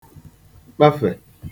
kpafè